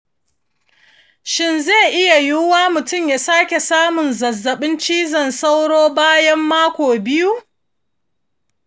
shin zai iya yiwuwa mutum ya sake samun zazzaɓin cizon sauro bayan mako biyu?